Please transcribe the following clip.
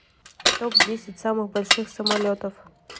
топ десять самых больших самолетов